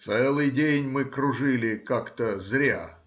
Целый день мы кружили как-то зря